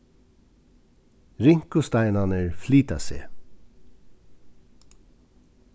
rinkusteinarnir flyta seg